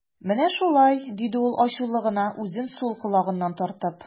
Менә шулай, - диде ул ачулы гына, үзен сул колагыннан тартып.